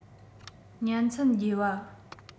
གཉན ཚད རྒྱས པ